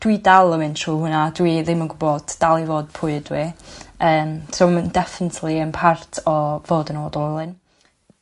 dwi dal yn mynd trw hwnna dwi ddim yn gwbod dal i fod pwy ydw i yym so ma' definitely yn part o fod yn odolyn.